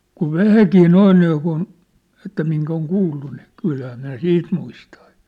kun vähänkin noin niin kuin että minkä on kuullut niin kyllähän nämä siitä muistaa